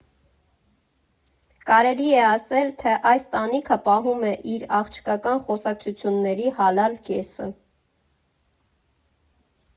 Կարելի է ասել, թե այս տանիքը պահում է իր «աղջկական խոսակցությունների» հալալ կեսը։